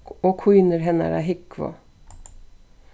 og kínir hennara húgvu